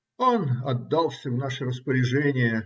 Он отдался в наше распоряжение